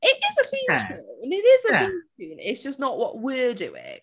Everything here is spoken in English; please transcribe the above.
It is a theme tune... yeah ...it is... yeah... a theme tune. It's just not what we're doing.